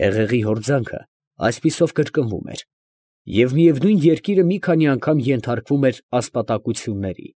Հեղեղի հորձանքը այսպիսով կրկնվում էր, և միևնույն երկիրը մի քանի անգամ ենթարկվում էր ասպատակությունների։